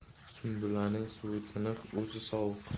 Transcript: sumbulaning suvi tiniq o'zi sovuq